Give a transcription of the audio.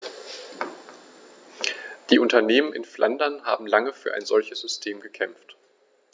Die Unternehmen in Flandern haben lange für ein solches System gekämpft.